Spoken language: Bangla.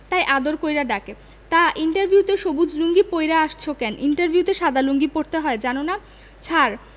তাই আদর কইরা ডাকে তা ইন্টারভিউ তে সবুজ লুঙ্গি পইড়া আসছো কেন ইন্টারভিউতে সাদা লুঙ্গি পড়তে হয় জানো না